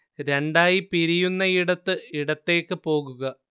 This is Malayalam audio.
രണ്ടായി പിരിയുന്നയിടത്ത് ഇടത്തേക്ക് പോകുക